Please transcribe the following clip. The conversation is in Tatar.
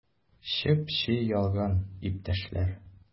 Чеп-чи ялган, иптәшләр!